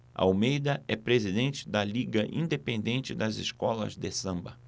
almeida é presidente da liga independente das escolas de samba